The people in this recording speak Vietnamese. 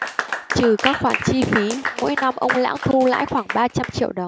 trừ các khoản chi phí mỗi năm ông lãng thu lãi khoảng ba trăm triệu đồng